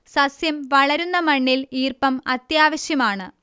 സസ്യം വളരുന്ന മണ്ണിൽ ഈർപ്പം അത്യാവശ്യമാണ്